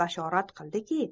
bashorat qilibdiki